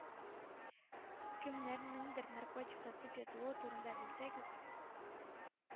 Кемнәрнеңдер наркотик сатып ятуы турында белсәгез,